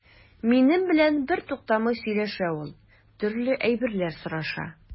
Минем белән бертуктамый сөйләшә ул, төрле әйберләр сораша.